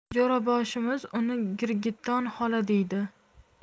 jo'raboshimiz uni girgitton xola deydi